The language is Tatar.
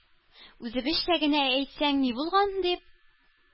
Үзебезчә генә әйтсәң ни булган? - дип,